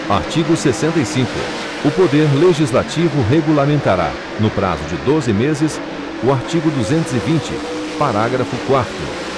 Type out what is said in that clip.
artigo sessenta e cinco o poder legislativo regulamentará no prazo de doze meses o artigo duzentos e vinte parágrafo quarto